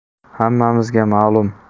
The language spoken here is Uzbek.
hammamizga ma'lum